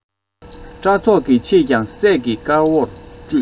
སྐྲ ཚོགས ཀྱི ཕྱེད ཀྱང སད ཀྱིས དཀར བོར བཀྲུས